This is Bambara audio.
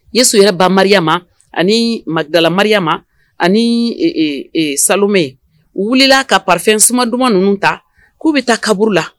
Ye su banri ma anigamaya ma ani samɛ yen wulila ka pafɛn suma duman ninnu ta k'u bɛ taa kaburu la